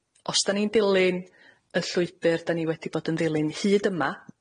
Os 'dan ni'n dilyn y llwybyr 'dan ni wedi bod yn ddilyn hyd yma